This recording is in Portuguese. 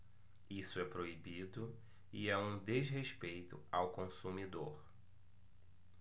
isso é proibido e é um desrespeito ao consumidor